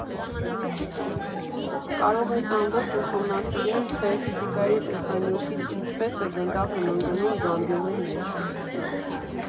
Կարող ես անվերջ ուսումնասիրել, թե ֆիզիկայի տեսանյունից ինչպես է գնդակն ընկնում զամբյուղի մեջ։